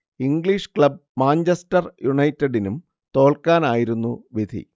English club Manchester യുണൈറ്റഡിനും തോൽക്കാനായിരുന്നു വിധി